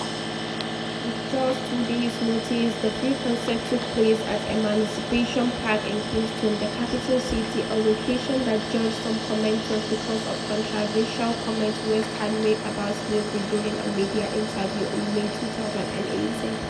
With just two days’ notice, the free concert took place at Emancipation Park in Kingston, the capital city — a location that jarred some commentators because of controversial comments West had made about slavery during a media interview in May 2018.